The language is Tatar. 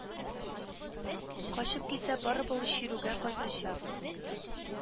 Качып китсә барыбер ул чирүгә кайтачак